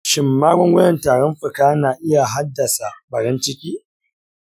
shin magungunan tarin fuka na iya haddasa ɓarin ciki?